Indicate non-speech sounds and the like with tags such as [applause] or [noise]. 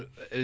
[hesitation]